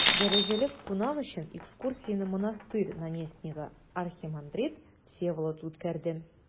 Дәрәҗәле кунак өчен экскурсияне монастырь наместнигы архимандрит Всеволод үткәрде.